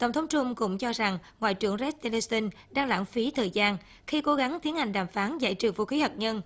tổng thống trăm cũng cho rằng ngoại trưởng rét tiu lơ xưn đang lãng phí thời gian khi cố gắng tiến hành đàm phán giải trừ vũ khí hạt nhân